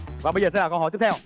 và bây giờ sẽ là câu hỏi tiếp theo